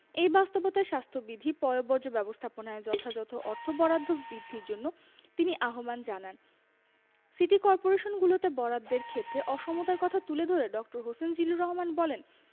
এই বাস্তবতায় স্বাস্থ্যবিধি পয়ঃবর্জ্য ব্যবস্থাপনায় যথাযথ অর্থ বরাদ্দ বৃদ্ধির জন্য তিনি আহ্বান জানান সিটি করপোরেশনগুলোতে বরাদ্দের ক্ষেত্রে অসমতার কথা তুলে ধরে ড. হোসেন জিল্লুর রহমান বলেন